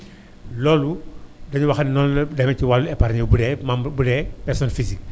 loolu dañu wax noonu la demee ci wàllu épargne bi bu dee membre bu dee personne physique